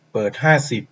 เปิดห้าสิบ